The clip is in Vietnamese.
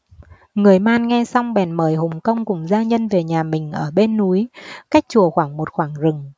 người man nghe xong bèn mời hùng công cùng gia nhân về nhà mình ở bên núi cách chùa khoảng một khoảnh rừng